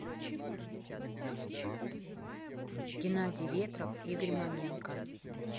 геннадий ветров игорь маменко